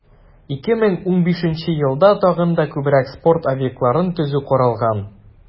2015 елда тагын да күбрәк спорт объектларын төзү каралган.